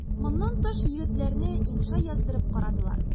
Моннан тыш егетләрне инша яздырып карадылар.